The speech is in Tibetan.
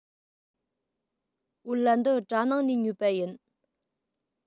བོད ལྭ འདི གྲ ནང ནས ཉོས པ ཡིན